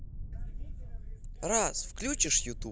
раз включишь ютуб